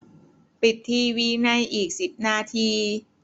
ปิดทีวีในอีกสิบนาที